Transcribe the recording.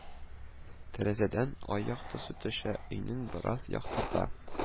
Тәрәзәдән ай яктысы төшә, өйне бераз яктырта